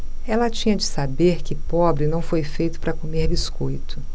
ela tinha de saber que pobre não foi feito para comer biscoito